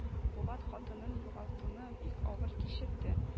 Булат хатынын югалтуны бик авыр кичерде